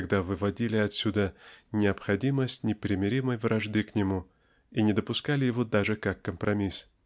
когда выводили отсюда необходимость непримиримой вражды к нему и не допускали его даже как компромисс